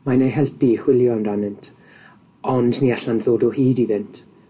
Mae'n eu helpu i chwilio amdanynt, ond ni allan ddod o hyd iddynt.